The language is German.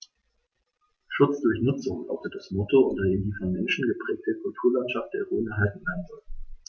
„Schutz durch Nutzung“ lautet das Motto, unter dem die vom Menschen geprägte Kulturlandschaft der Rhön erhalten werden soll.